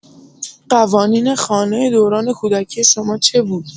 قوانین خانه دوران کودکی شما چه بود؟